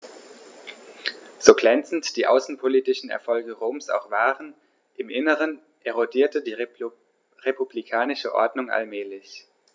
So glänzend die außenpolitischen Erfolge Roms auch waren: Im Inneren erodierte die republikanische Ordnung allmählich.